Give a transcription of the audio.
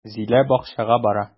Зилә бакчага бара.